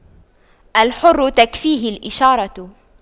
الحر تكفيه الإشارة